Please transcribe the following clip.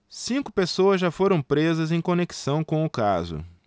cinco pessoas já foram presas em conexão com o caso